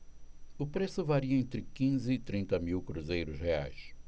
o preço varia entre quinze e trinta mil cruzeiros reais